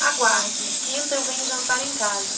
aguarde quinta eu venho jantar em casa